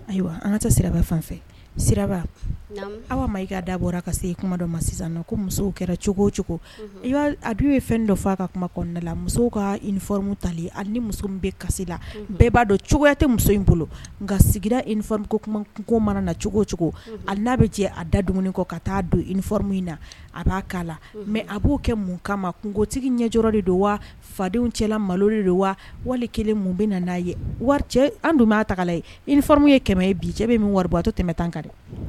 Ayiwa an ka sira fan aw ma i ka da bɔra ka se ma sisan ko musow kɛra cogo a b' ye fɛn dɔ fɔ ka kuma la musow kamu tali hali ni muso bɛ kasi la bɛɛ b'a dɔn cogoya tɛ muso in bolo nka sigira kungoko mana na cogo cogo a n'a bɛ jɛ a da dumuni kɔ ka taa donf in na a b'a' la mɛ a b'o kɛ mun kama kungokotigi ɲɛj de don wa fadenw cɛla malo de de don wa wali kelen bɛ na n'a ye an don taga ye fmu ye kɛmɛ bi jɛ bɛ min wari bɔ a to tɛmɛ tan ka dɛ